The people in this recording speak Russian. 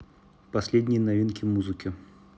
последние новинки музыки